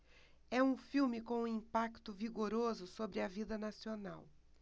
é um filme com um impacto vigoroso sobre a vida nacional